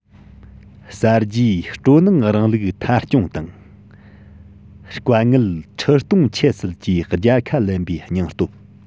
གསར བརྗེའི སྤྲོ སྣང རིང ལུགས མཐའ འཁྱོངས དང དཀའ ངལ ཁྲི སྟོང ཁྱད བསད ཀྱིས རྒྱལ ཁ ལེན པའི སྙིང སྟོབས